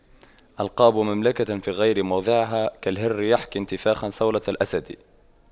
ألقاب مملكة في غير موضعها كالهر يحكي انتفاخا صولة الأسد